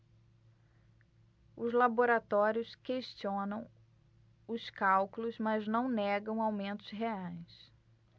os laboratórios questionam os cálculos mas não negam aumentos reais